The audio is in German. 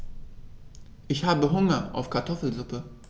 Ich habe Hunger auf Kartoffelsuppe.